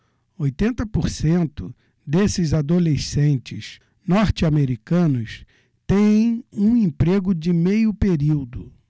oitenta por cento desses adolescentes norte-americanos têm um emprego de meio período